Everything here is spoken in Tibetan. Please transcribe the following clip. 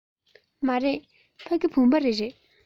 མ རེད ཕ གི བུམ པ རི རེད